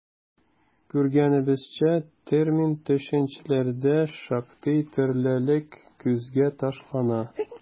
Күргәнебезчә, термин-төшенчәләрдә шактый төрлелек күзгә ташлана.